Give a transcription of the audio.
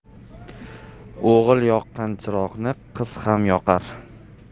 o'g'il yoqqan chiroqni qiz ham yoqar